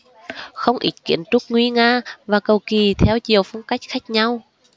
không ít kiến trúc nguy nga và cầu kỳ theo nhiều phong cách khách nhau